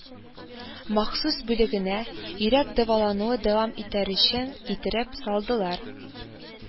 Махсус бүлегенә йөрәк дәвалауны дәвам итәр өчен китереп салдылар